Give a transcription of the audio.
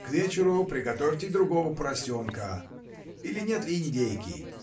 К вечеру приготовьте другого поросенка. или нет ли индейки?